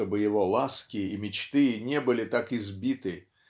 чтобы его ласки и мечты не были так избиты